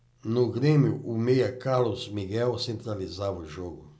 no grêmio o meia carlos miguel centralizava o jogo